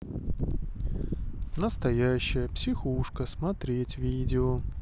настоящая психушка смотреть видео